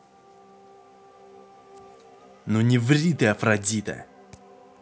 ну не ври ты афродита